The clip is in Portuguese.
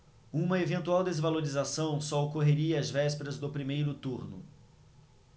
uma eventual desvalorização só ocorreria às vésperas do primeiro turno